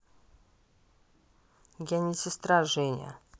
я не сестра женя